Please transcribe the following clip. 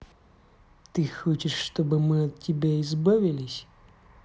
ты хочешь чтобы мы от тебя избавились